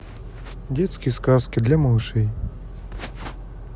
детские сказки для малышей